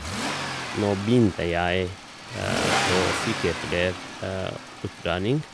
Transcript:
Nå begynte jeg på sykepleierutdanning.